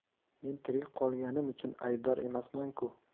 men tirik qolganim uchun aybdor emasman ku